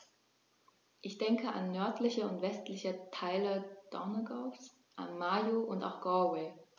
Ich denke an nördliche und westliche Teile Donegals, an Mayo, und auch Galway.